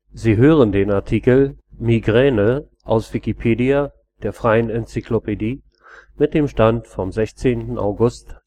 Sie hören den Artikel Migräne, aus Wikipedia, der freien Enzyklopädie. Mit dem Stand vom Der